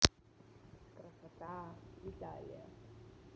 красота италия